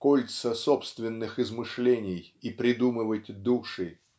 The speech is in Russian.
кольца собственных измышлений и придумывать души